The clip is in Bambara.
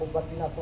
Ko basi' sɔrɔ